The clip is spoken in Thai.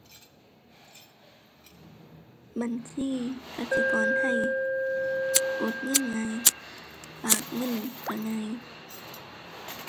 บัญชีกสิกรไทย กดเงินง่าย ฝากเงินก็ง่าย